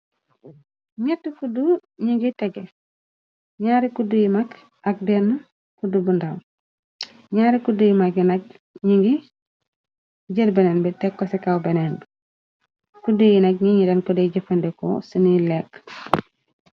Ñett kuddu ñi ngi tege ñaari kuddu yi mag ak denn kudd bu ndaw ñaari kudd yi mag yi nag ñi ngi jër benen bi te koci kaw beneenbu kudd yi nag ñi ni denn kodey jëfande ko sani lekk.